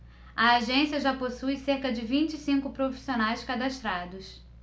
a agência já possui cerca de vinte e cinco profissionais cadastrados